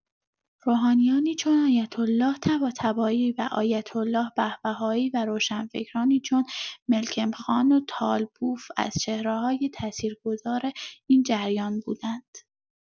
روحانیانی چون آیت‌الله طباطبایی و آیت‌الله بهبهانی و روشنفکرانی چون ملکم‌خان و طالبوف از چهره‌های تأثیرگذار این جریان بودند.